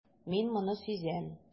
Мин моны сизәм.